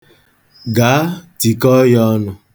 Gaa, tikọọ ya ọnụ.